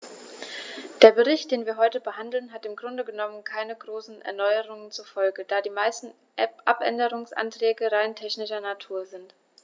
Der Bericht, den wir heute behandeln, hat im Grunde genommen keine großen Erneuerungen zur Folge, da die meisten Abänderungsanträge rein technischer Natur sind.